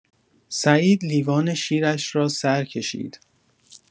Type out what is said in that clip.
سعید لیوان شیرش را سرکشید.